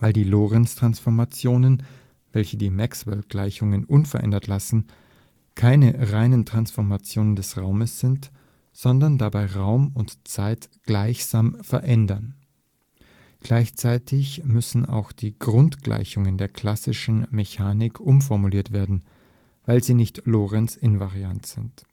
die Lorentztransformationen, welche die Maxwell-Gleichungen unverändert lassen, keine reinen Transformationen des Raumes (wie die Galilei-Transformationen) sind, sondern dabei Raum und Zeit gemeinsam verändern. Gleichzeitig müssen auch die Grundgleichungen der klassischen Mechanik umformuliert werden, weil sie nicht Lorentz-invariant sind